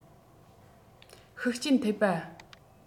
ཤུགས རྐྱེན ཐེབས པ